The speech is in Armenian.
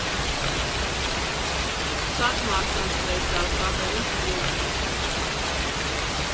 Շատ մարդկանց տեսա, շատերին սիրեցի։